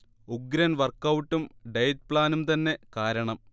ഉഗ്രൻ വർക്ഔട്ടും ഡയറ്റ് പ്ലാനും തന്നെ കാരണം